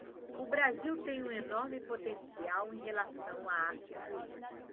o brasil tem um enorme potencial em relação à arte pública